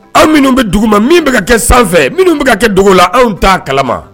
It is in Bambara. Anw minnu bɛ dugu ma min bɛ ka kɛ sanfɛ minnu bɛ kɛ dugu la anw ta kalama